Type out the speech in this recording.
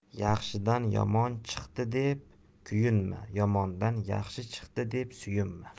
yaxshidan yomon chiqdi deb kuyinma yomondan yaxshi chiqdi deb suyunma